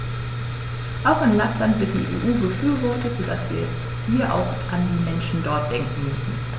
Auch in Lappland wird die EU befürwortet, so dass wir hier auch an die Menschen dort denken müssen.